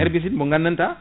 herbicide mo gandanta